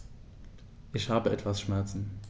Ich habe etwas Schmerzen.